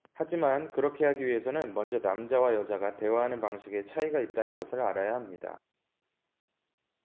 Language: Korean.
하지만 그렇게 하기 위해서는 먼저 남자와 여자가 대화하는 방식에 차이가 있다는 것을 알아야 합니다